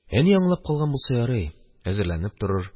Әни аңлап калган булса ярый, әзерләнеп торыр.